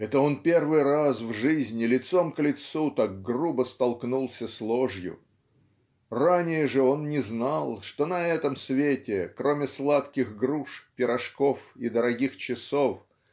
это он первый раз в жизни лицом к лицу так грубо столкнулся с ложью ранее же он не знал что на этом свете кроме сладких груш пирожков и дорогих часов